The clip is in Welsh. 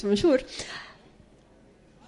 ddim yn siwr .